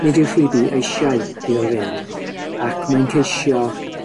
Nid yw Pheobe eisiau iddo fynd, ac mae'n ceisio